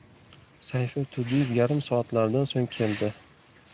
sayfi turdiev yarim soatlardan so'ng keldi